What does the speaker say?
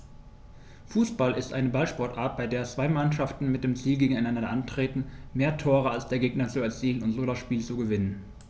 Fußball ist eine Ballsportart, bei der zwei Mannschaften mit dem Ziel gegeneinander antreten, mehr Tore als der Gegner zu erzielen und so das Spiel zu gewinnen.